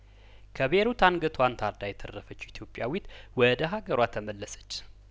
ከቤይሩት አንገቷን ታርዳ የተረፈችው ኢትዮጵያዊት ወደ አገሯ ተመለሰች